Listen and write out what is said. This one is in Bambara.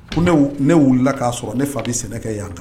Ko ne wulila k'a sɔrɔ ne fa di sɛnɛ y yanan kan